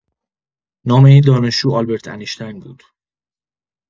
نام این دانشجو آلبرت انیشتین بود.